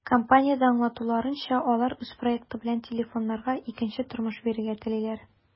Компаниядә аңлатуларынча, алар үз проекты белән телефоннарга икенче тормыш бирергә телиләр.